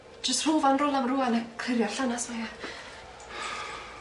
Jys rho fa yn rwla am rŵan a clirio'r llanas 'ma ia?